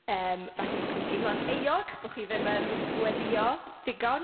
Yym, falle bo' chi'n teimlo'n euog, bo' chi ddim yn gweddïo digon?